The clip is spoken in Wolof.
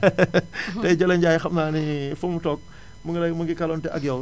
tay Jalle Ndiaye xam naa ni fa mu toog mu ngi lay mu ngi kallonte ak yow